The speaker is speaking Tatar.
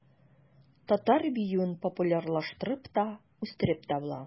Татар биюен популярлаштырып та, үстереп тә була.